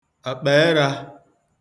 àkpàerā